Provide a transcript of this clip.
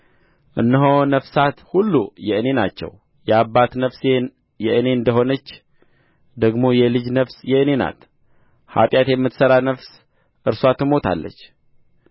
እነሆ ነፍሳት ሁሉ የእኔ ናቸው የአባት ነፍስ የእኔ እንደ ሆነች ደግሞ የልጅ ነፍስ የእኔ ናት ኃጢአት የምትሠራ ነፍስ እርስዋ ትሞታለች